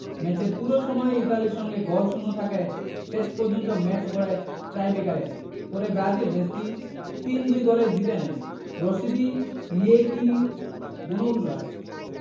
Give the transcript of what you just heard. ম্যাচের পুরো সময় ইতালির সঙ্গে গোলশূন্য থাকায় শেষ পর্যন্ত ম্যাচ গড়ায় টাইব্রেকারে পরে ব্রাজিল ম্যাচটি ৩ ২ গোলে জিতে নেয় রশিদী ইয়েকিনীর বুনো উল্লাস